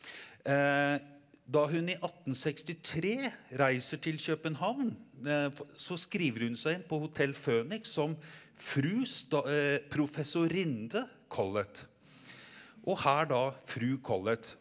da hun i 1863 reiser til København så skriver hun seg inn på Hotell Føniks som Fru professorinde Collett og her da fru Collett.